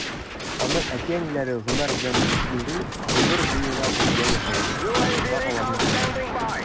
Аның әти-әниләре Гомәр белән Хөснурый гомер буена бергә яшәгәннәр, авылда аларны хөрмәт иткәннәр.